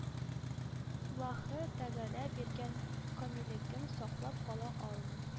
Лаһы тәгалә биргән камиллеген саклап кала алмый